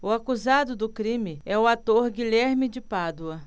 o acusado do crime é o ator guilherme de pádua